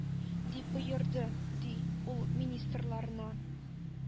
— дип боерды, ди, ул министрларына.